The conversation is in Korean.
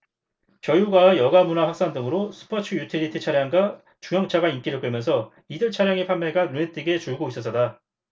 저유가와 여가문화 확산 등으로 스포츠유틸리티차량과 중형차가 인기를 끌면서 이들 차량의 판매가 눈에 띄게 줄고 있어서다